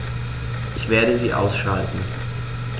Ich werde sie ausschalten